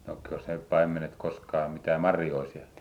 noukkikos ne paimenet koskaan mitään marjoja siellä